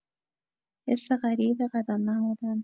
حس غریب قدم نهادن